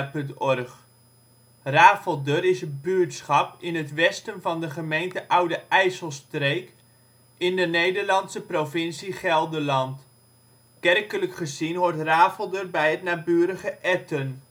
OL Rafelder Plaats in Nederland Situering Provincie Gelderland Gemeente Oude IJsselstreek Coördinaten 51° 54′ NB, 6° 20′ OL Portaal Nederland Rafelder is een buurtschap in het westen van de gemeente Oude IJsselstreek in de Nederlandse provincie Gelderland. Kerkelijk gezien hoort Rafelder bij het naburige Etten